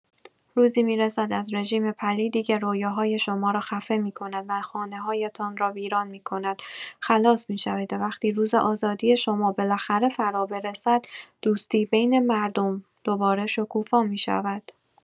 روزی می‌رسد از رژیم پلیدی که رویاهای شما را خفه می‌کند و خانه‌هایتان را ویران می‌کند خلاص می‌شوید و وقتی روز آزادی شما بالاخره فرابرسد، دوستی بین مردم دوباره شکوفا می‌شود.